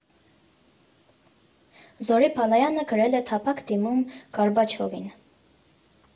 Զորի Բալայանը գրել է տափակ դիմում Գորբաչովին։